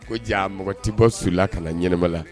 Ko ja mɔgɔ tɛ bɔ sula ka na ɲɛnama la